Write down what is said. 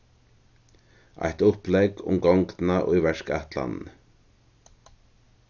eitt upplegg um gongdina í verkætlanini